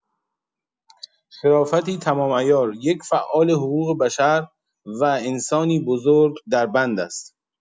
شرافتی تمام‌عیار، یک فعال حقوق‌بشر و انسانی بزرگ دربند است.